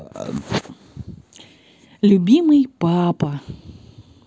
любимый папа